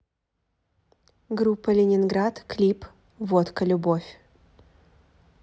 группа ленинград клип водка любовь